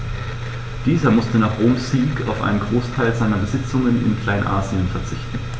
Dieser musste nach Roms Sieg auf einen Großteil seiner Besitzungen in Kleinasien verzichten.